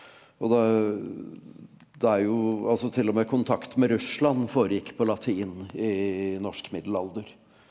og da det er jo altså t.o.m. kontakt med Russland foregikk på latin i norsk middelalder.